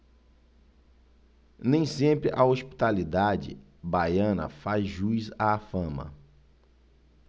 nem sempre a hospitalidade baiana faz jus à fama